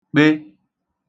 kpe